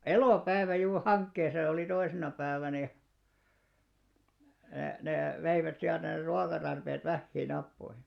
elopäivä juuri hankkeissa ja oli toisena päivänä ja - ne veivät sieltä ne ruokatarpeet vähiin nappoihin